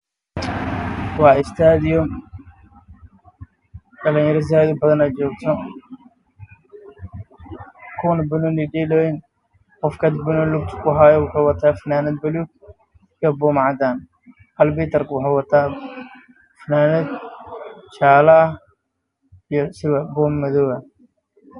Waa garoon weyn dhalin yara badan baa joogta